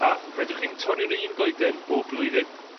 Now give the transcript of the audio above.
a fedrwch chi'm torri'r un goeden bob blwyddyn